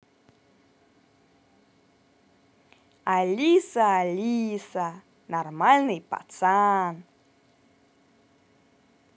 алиса алиса нормальный пацан